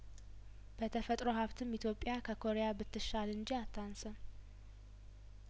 በተፈጥሮ ሀብትም ኢትዮጵያ ከኮሪያ ብትሻል እንጅ አታንስም